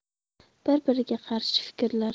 bir biriga qarshi fikrlar